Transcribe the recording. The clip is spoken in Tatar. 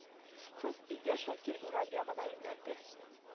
Кыз өйгә шакир урам ягына юнәлде